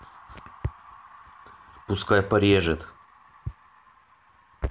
пускай порежет